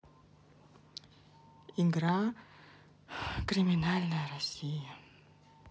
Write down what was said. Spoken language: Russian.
игра криминальная россия